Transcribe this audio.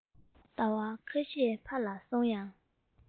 ཟླ བ ཁ ཤས ཕར ལ སོང ཡང